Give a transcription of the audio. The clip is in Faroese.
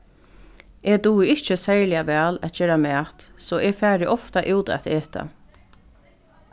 eg dugi ikki serliga væl at gera mat so eg fari ofta út at eta